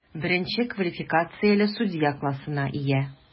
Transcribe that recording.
Беренче квалификацияле судья классына ия.